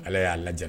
Ala y'a ladiya